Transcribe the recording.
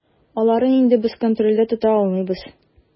Аларын инде без контрольдә тота алмыйбыз.